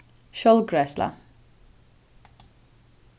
sjálvgreiðsla